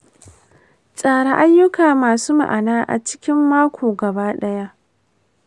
tsara ayyuka masu ma’ana a cikin mako gaba ɗaya.